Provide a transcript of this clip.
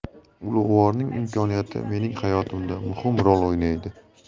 ulug'vorning imkoniyati mening hayotimda muhim rol o'ynaydi